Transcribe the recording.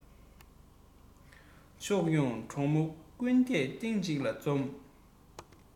ཕྱོགས ཡོང མགྲོན པོ ཀུན གདན སྟེང གཅིག ལ འཛོམས